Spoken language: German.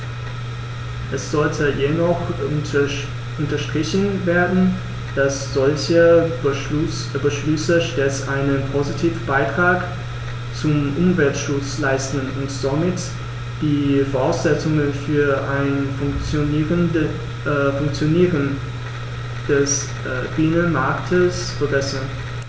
Es sollte jedoch unterstrichen werden, dass solche Beschlüsse stets einen positiven Beitrag zum Umweltschutz leisten und somit die Voraussetzungen für ein Funktionieren des Binnenmarktes verbessern.